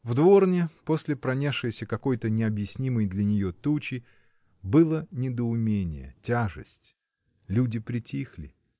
В дворне после пронесшейся какой-то необъяснимой для нее тучи было недоумение, тяжесть. Люди притихли.